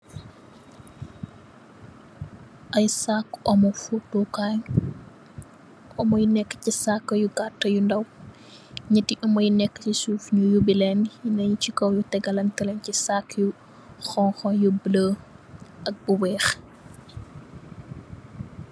Aiiy saaku omo fottoh kaii, omo yii neka chi saaku yu gatue yu ndaw, njehti omo yu nek chi suff nju yubi len, yeneh yii chi kaw nju tehgalanteh len chi saaku yu honhu, yu bleu, ak bu wekh.